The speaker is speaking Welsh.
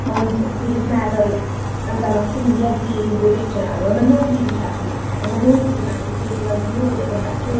Ond fi jyst yn meddwl amdano ffrindiau fi sy'n byw gytre nawr. Wel maen nhw gyd yn siarad Cymraeg a maen nhw gyd yn magu teuluoedd nhw yn y Gymraeg... ie.